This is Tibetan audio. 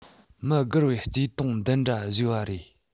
མི སྒེར བའི བརྩེ དུང འདི འདྲ བཟོས པ རེད